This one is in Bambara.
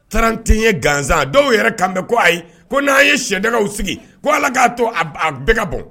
Taara tɛ ye gansan dɔw yɛrɛ kan mɛn ko ayi ko n'an ye sɛda sigi ko ala k'a to bɛɛ ka bɔ